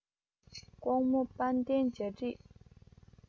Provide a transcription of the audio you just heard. ཀོང མོ པང གདན འཇའ འགྲིག